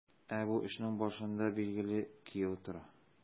Ә бу эшнең башында, билгеле, кияү тора.